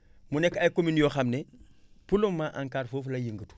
mu nekk ay communes yoo xam ne pour le moment ANCAR foofu lay yëngatu